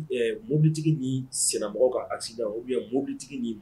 Ɛɛ mobilitigi ni sennamɔgɔ ka accident, ou bien mɔbilitigi ni